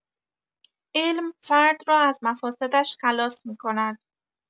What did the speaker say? علم فرد را از مفاسدش خلاص می‌کند.